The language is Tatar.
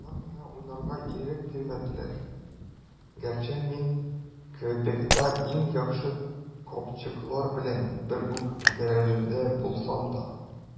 Алар миңа уйнарга ирек бирмәделәр, гәрчә мин Квебекта иң яхшы капкачылар белән бер үк дәрәҗәдә булсам да.